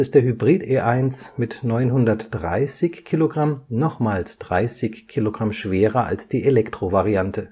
Hybrid-E1 mit 930 kg nochmals 30 kg schwerer als die Elektro-Variante